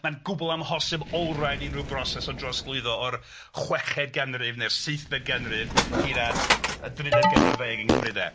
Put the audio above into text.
Mae'n gwbl amhosib olrhain unrhyw broses o drosglwyddo o'r chweched ganrif neu'r seithfed ganrif hyd at y drydedd ganrif ar ddeg yng Nghymru de.